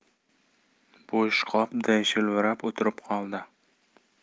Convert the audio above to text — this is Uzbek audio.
bo'sh qopday shalvirab o'tirib qoldi